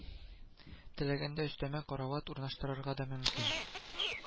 Теләгәндә өстәмә карават урнаштырырга да мөмкин